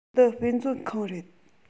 འདི དཔེ མཛོད ཁང རེད